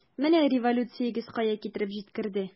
Менә революциягез кая китереп җиткерде!